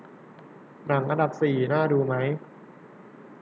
หนังอันดับสี่น่าดูไหม